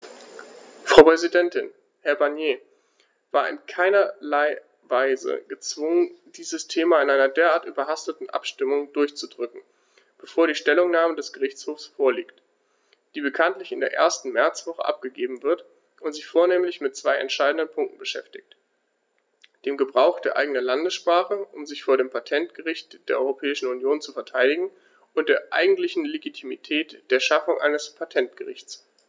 Frau Präsidentin, Herr Barnier war in keinerlei Weise gezwungen, dieses Thema in einer derart überhasteten Abstimmung durchzudrücken, bevor die Stellungnahme des Gerichtshofs vorliegt, die bekanntlich in der ersten Märzwoche abgegeben wird und sich vornehmlich mit zwei entscheidenden Punkten beschäftigt: dem Gebrauch der eigenen Landessprache, um sich vor dem Patentgericht der Europäischen Union zu verteidigen, und der eigentlichen Legitimität der Schaffung eines Patentgerichts.